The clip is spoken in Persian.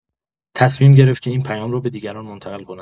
تصمیم گرفت که این پیام را به دیگران منتقل کند.